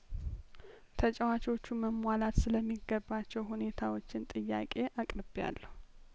ተጨዋቾቹ መሟላት ስለሚ ገባቸው ሁኔታዎችን ጥያቄ አቅርቤያለሁ